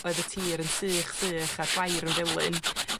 oedd y tir yn sych sych a'r gwair yn felyn